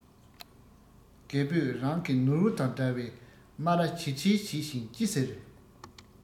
རྒད པོས རང གི ནོར བུ དང འདྲ བའི སྨ རར བྱིལ བྱིལ བྱེད བཞིན ཅི ཟེར